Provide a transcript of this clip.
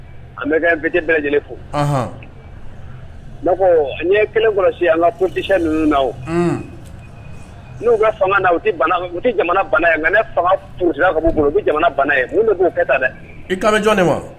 An bɛ i ka invité bɛɛ lajɛlen fo, anhan, n b'a fɔ n ye kelen kɔlɔsi an ka politicien ninnu na; anhan, n'u bɛ fanga na u bɛ bana, u tɛ jamana bana ye mais ni fanga purutila ka b'u bolo u bɛ jamana bana ye mun de b'o kɛ tan dɛ, i kan bɛ jɔn de ma